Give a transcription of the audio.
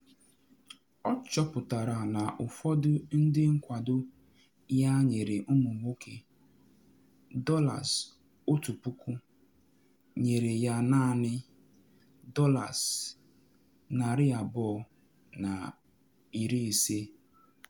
Ọ chọpụtara na ụfọdụ ndị nkwado ya nyere ụmụ nwoke $1000 nyere ya naanị $250.